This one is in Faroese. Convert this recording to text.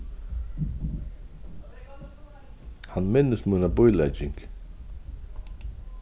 hann minnist mína bílegging